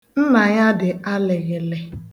Nna ya dị alịghịlị